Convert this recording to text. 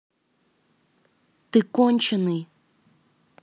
ты конченный